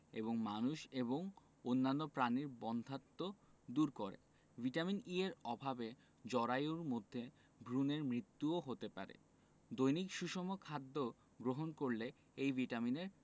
এবং মানুষ এবং অন্যান্য প্রাণীর বন্ধ্যাত্ব দূর করে ভিটামিন E এর অভাবে জরায়ুর মধ্যে ভ্রনের মৃত্যুও হতে পারে দৈনিক সুষম খাদ্য গ্রহণ করলে এই ভিটামিনের